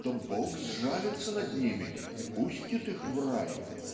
то Бог сжалится над ними и пустит их в рай".